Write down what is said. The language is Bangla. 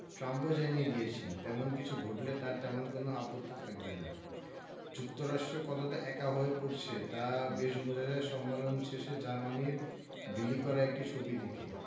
ট্রাম্পও জানিয়ে দিয়েছেন তেমন কিছু ঘটলে তাঁর তেমন কোনো আপত্তি থাকবে না যুক্তরাষ্ট্র কতটা একা হয়ে পড়ছে তা বেশ বোঝা যায় সম্মেলন শেষে জার্মানির বিলি করা একটি ছবি থেকে